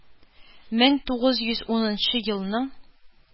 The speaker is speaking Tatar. Мең тугыз йөз унынчы елны